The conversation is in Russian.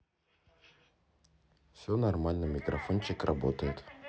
все нормально микрофончик работает